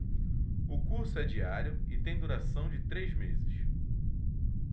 o curso é diário e tem duração de três meses